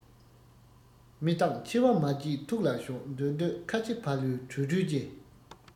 མི རྟག འཆི བ མ བརྗེད ཐུགས ལ ཞོག འདོད འདོད ཁ ཆེ ཕ ལུའི གྲོས གྲོས ཀྱི